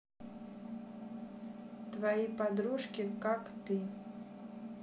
твои подружки как ты